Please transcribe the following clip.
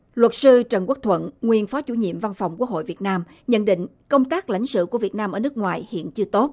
luật sư trần quốc thuận nguyên phó chủ nhiệm văn phòng quốc hội việt nam nhận định công tác lãnh sự của việt nam ở nước ngoài hiện chưa tốt